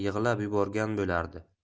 yig'lab yuborgan bo'lardi